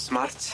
Smart.